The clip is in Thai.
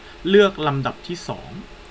เลือกลำดับที่สอง